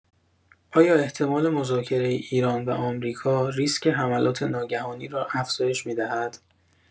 آیا احتمال مذاکره ایران و آمریکا ریسک حملات ناگهانی را افزایش می‌دهد؟